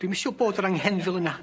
Dwi'm isio bod yr anghenfil yna.